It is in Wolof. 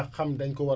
dañu war a xa waaw